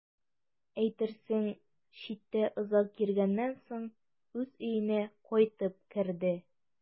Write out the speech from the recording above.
Әйтерсең, читтә озак йөргәннән соң үз өенә кайтып керде.